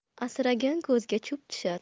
asragan ko'zga cho'p tushar